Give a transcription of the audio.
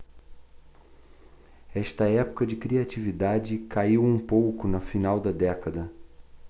esta época de criatividade caiu um pouco no final da década